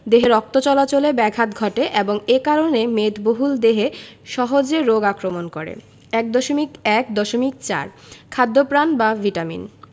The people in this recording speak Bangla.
দেহে রক্ত চলাচলে ব্যাঘাত ঘটে এবং এ কারণে মেদবহুল দেহে সহজে রোগ আক্রমণ করে ১.১.৪ খাদ্যপ্রাণ বা ভিটামিন